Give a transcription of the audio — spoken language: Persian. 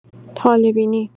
طالع‌بینی